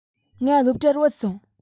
ང སློབ གྲྭར བུད སོང